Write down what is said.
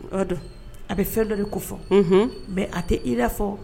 Don a bɛ fɛ dɔri ko fɔ mɛ a tɛ ira fɔ